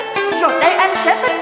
rồi đây anh sẽ